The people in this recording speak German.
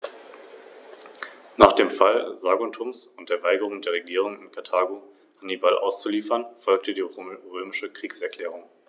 Der Mensch steht im Biosphärenreservat Rhön im Mittelpunkt.